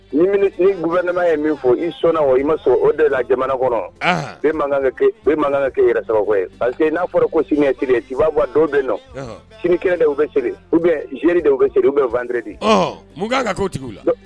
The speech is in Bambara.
Ni g bɛɛnɛma ye min fɔ i sɔnna o i ma sɔn o de la jamana kɔnɔ bɛ man kanka ke yɛrɛ sababu parce que n'a fɔra ko sini sirire si b'a bɔ don bɛ nɔ sinikɛ de bɛ seli u bɛ zre de bɛ u bɛ fanrɛre de mun ka tigi la